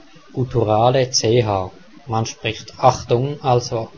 gutturale " ch "; man spricht " Achtung " also